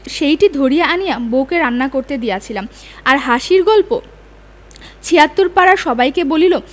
সেইটি ধরিয়া আনিয়া বউকে রান্না করিতে দিয়াছিলাম আর হাসির গল্প ৭৬ পাড়ার সবাইকে বলিল